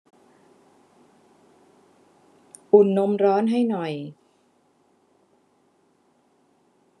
อุ่นนมร้อนให้หน่อย